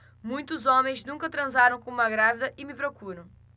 muitos homens nunca transaram com uma grávida e me procuram